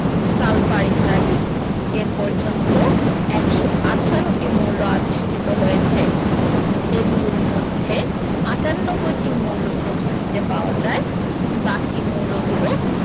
sulphur ইত্যাদি এ পর্যন্ত 118টি মৌল আবিষ্কৃত হয়েছে এগুলোর মধ্যে 98টি মৌল প্রকৃতিতে পাওয়া যায় বাকি মৌলগুলো